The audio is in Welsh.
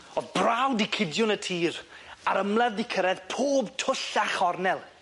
O'dd braw 'di cydio yn y tir, a'r ymladd 'di cyrredd pob twll a chornel.